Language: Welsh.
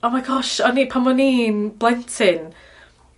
oh my gosh o'n i pan o'n i'n blentyn